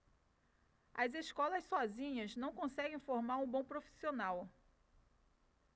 as escolas sozinhas não conseguem formar um bom profissional